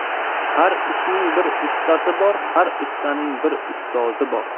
har ishning bir ustasi bor har ustaning bir ustozi bor